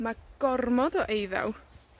Ma' gormod o eiddaw